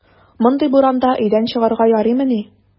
Мондый буранда өйдән чыгарга ярыймыни!